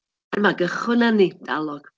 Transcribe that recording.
Dyma gychwyn arni .